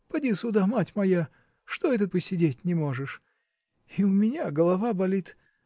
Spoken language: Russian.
Поди сюда, мать моя, что это ты посидеть не можешь? И у меня голова болит.